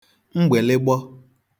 mgbị̀lịgbọ